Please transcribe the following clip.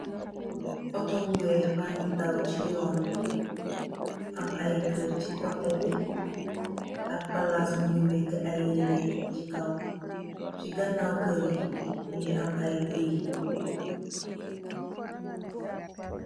Auto bu wèèx bangèh daw ci yon bi. Am ay kër ci koteh bi ak palace buñu wèèr ay yèrèh ci kaw. Ci ganaw kër yi mugeh am ay gui.